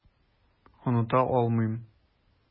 Оныта алмыйм.